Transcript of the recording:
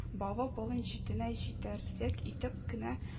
Бавы болын читенә җитәрлек итеп кенә